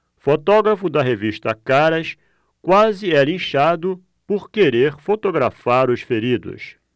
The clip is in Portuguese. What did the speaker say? fotógrafo da revista caras quase é linchado por querer fotografar os feridos